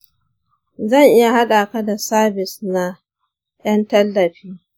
zan iya haɗa ka da sabis na 'yan tallafi.